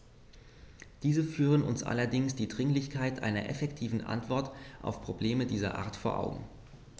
Diese führen uns allerdings die Dringlichkeit einer effektiven Antwort auf Probleme dieser Art vor Augen.